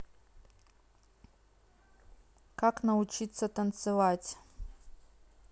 как научиться танцевать